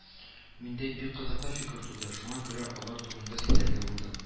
Миндә бик кызыклы фикер туды, шуңа күрә дә алар турында сөйләргә булдым